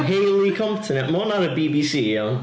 Hayley Compton ia. Mae hwnna ar y BBC iawn.